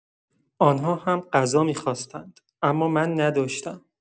آن‌ها هم غذا می‌خواستند، اما من نداشتم.